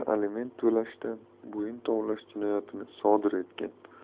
aliment to'lashdan bo'yin tovlash jinoyatini sodir etgan